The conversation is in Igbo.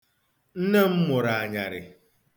Nne mụrụ anyarị.